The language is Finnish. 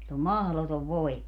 sillä on mahdoton voima